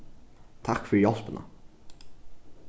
takk fyri hjálpina